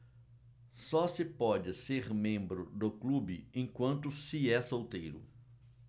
só se pode ser membro do clube enquanto se é solteiro